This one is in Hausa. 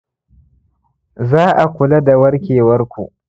za'a kula da warkewarku